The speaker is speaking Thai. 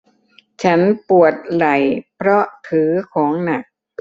ฉันปวดไหล่เพราะถือของหนัก